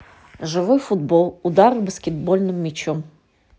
живой футбол удары баскетбольным мячом